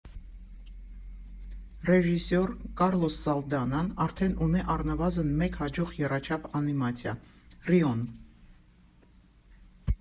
Ռեժիսոր Կառլոս Սալդանան արդեն ունի առնվազն մեկ հաջող եռաչափ անիմացիա՝ «Ռիոն»։